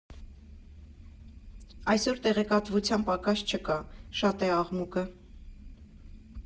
Այսօր տեղեկատվության պակաս չկա, շատ է աղմուկը։